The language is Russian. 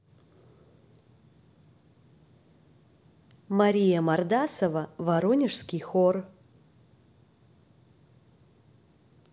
мария мордасова воронежский хор